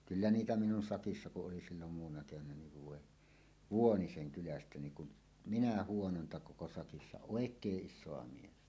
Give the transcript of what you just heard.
kyllä niitä minun sakissa kun oli silloin muutamana keväänä niin voi Vuonisen kylästä niin kuin minä huonointa koko sakissa oikein isoa miestä